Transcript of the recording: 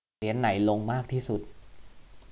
เหรียญไหนลงมากที่สุด